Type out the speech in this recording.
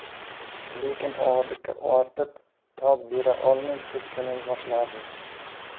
lekin og'irlikka ortiq tob bera olmay cho'kkalay boshladi